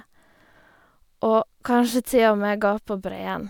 Og kanskje til og med gå på breen.